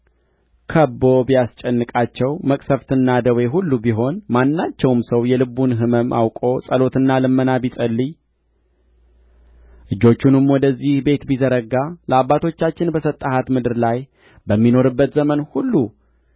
ከብቦ ቢያስጨንቃቸው መቅሠፍትና ደዌ ሁሉ ቢሆን ማናቸውም ሰው የልቡን ሕመም አውቆ ጸሎትና ልመና ቢጸልይ እጆቹንም ወደዚህ ቤት ቢዘረጋ ለአባቶቻችን በሰጠሃት ምድር ላይ በሚኖሩበት ዘመን ሁሉ